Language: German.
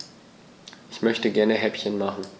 Ich möchte gerne Häppchen machen.